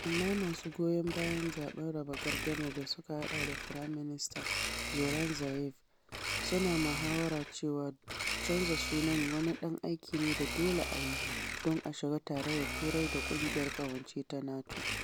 Amma, masu goyon bayan zaɓen raba gardamar, da suka haɗa da Firaminista Zoran Zaev, suna mahawara cewa canza sunan wani ɗan aiki ne da dole a yi don a shiga Tarayyar Turai da Ƙungiyar Ƙawance ta NATO.